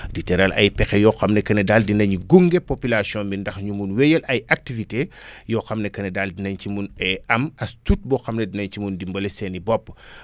di tëral ay pexe yoo xam ne que ne daal dinañu gunge population bi ndax ñu mun wéyal ay activités yoo xam ne que ne daal dinañ ci mun am as tuut boo xam ne dinañ ci mun dimbale seen i bopp